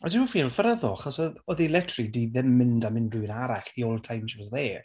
I do feel for her though achos achos oedd... oedd hi literally 'di ddim mynd am unrhyw un arall the whole time she was there.